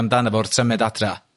amdano fo wrth symud o adra?